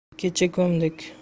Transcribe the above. kecha ko'mdik